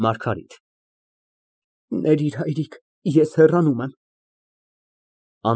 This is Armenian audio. ՄԱՐԳԱՐԻՏ ֊ Ներիր հայրիկ, ես հեռանում եմ։